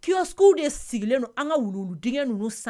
Kisow de sigilen don an ka wulu dgɛ